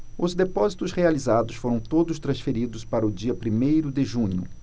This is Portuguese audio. os depósitos realizados foram todos transferidos para o dia primeiro de junho